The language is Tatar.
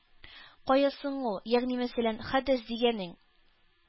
Кая соң ул, ягъни мәсәлән, хәдәс дигәнең?